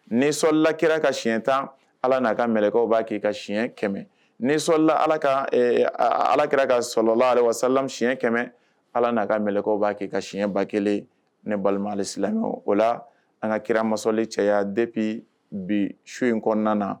Ni sɔlila kira ka siɲɛ tan ala n'a ka kɛlɛkaw b'a k'i ka siɲɛ kɛmɛ nisɔla ala ka alaki ka sola wa sala siɲɛ kɛmɛ ala n'a ka mkaw b'a kɛ ka siɲɛ ba kelen ne balimasi o la an ka kira masali caya dep bi su in kɔnɔna na